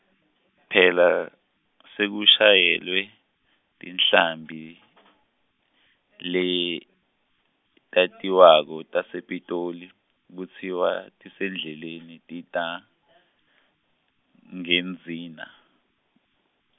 phela, sekushayelwe, tinhlambi , letatiwako tasePitoli, kutsiwa tisendleleni, tita , ngendiza.